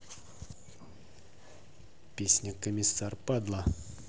песня комиссар падла